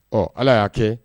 Ɔ Ala y'a kɛ